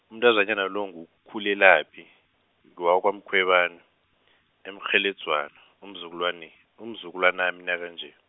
umntazanyana lo nguKhulelaphi, ngewakwaMkhwebani, eMkgheledzwana, umzukulwani umzukulwanami nakanje.